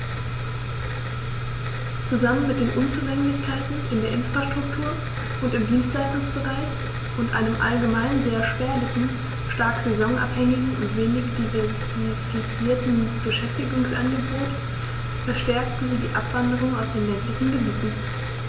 Zusammen mit den Unzulänglichkeiten in der Infrastruktur und im Dienstleistungsbereich und einem allgemein sehr spärlichen, stark saisonabhängigen und wenig diversifizierten Beschäftigungsangebot verstärken sie die Abwanderung aus den ländlichen Gebieten.